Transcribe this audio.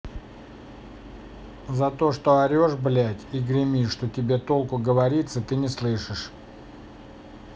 за то что орешь блядь и гремишь что тебе толку говориться ты не слышишь